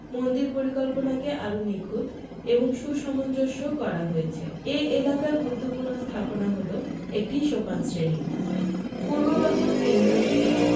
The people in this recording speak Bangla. মন্দির পরিকল্পনাকে আরও নিখুঁত এবং সুসমঞ্জস্য করা হয়েছে এ এলাকার গুরুত্বপূর্ণ স্থাপনা হলো একটি সোপান শ্রেণি পূর্ব বাহুর কেন্দ্রস্থলে